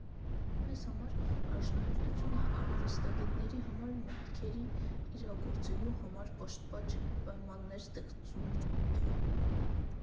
Մեզ համար առաջնահերթությունը արվեստագետների համար՝ մտքերն իրագործելու համար պատշաճ պայմանների ստեղծումն է։